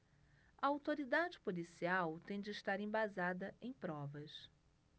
a autoridade policial tem de estar embasada em provas